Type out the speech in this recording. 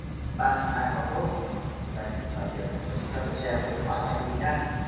ba chỉ hai sấu mốt đây tờ tiền đây tôi xin phép tôi che số đt của anh ấy đi nhé